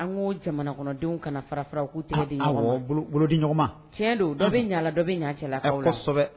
An ko jamana kɔnɔdenw kana fara fararaw ko tigɛ de di ɲɔgɔn cɛ don dɔ bɛ ɲala dɔ bɛ ɲa cɛla la